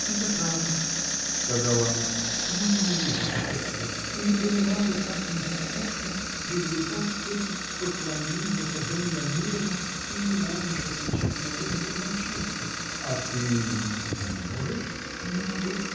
— Это правда, — сказала она, — я ненавижу кокетство и не понимаю, как не скучно привлекать эти поклонения, когда не намерена и не можешь отвечать на вызванное чувство?. — А ты. не можешь? — Не могу.